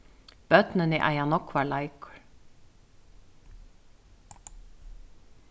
børnini eiga nógvar leikur